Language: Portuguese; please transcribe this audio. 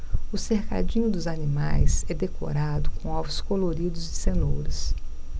o cercadinho dos animais é decorado com ovos coloridos e cenouras